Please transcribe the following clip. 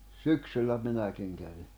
syksyllä minäkin kävin